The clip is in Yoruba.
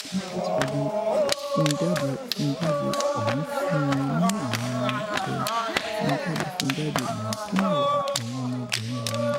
Orin tẹsiwaju: "Fun jade, fun jade, Mo n fun wọn ni awọn ọmọ jẹ, fun jade, fun jade, Mo n fun wara awọn ọmọbinrin mi."